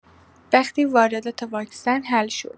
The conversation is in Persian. وقتی واردات واکسن حل شد